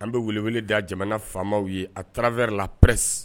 An bɛ welew da jamana faamaw ye a taraweleɛ la pres